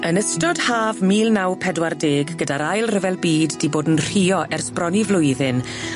Yn ystod haf mil naw pedwar deg gyda'r Ail Ryfel Byd 'di bod yn rhuo ers bron i flwyddyn